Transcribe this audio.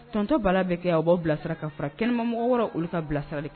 Tonton Bala bɛ kɛ yan o b'aw bilasira ka fara kɛnɛmamɔgɔwɛrɛw olu ka bilasiralik